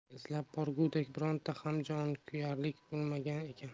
izlab borgudek bironta ham jonkuyari bo'lmagan ekan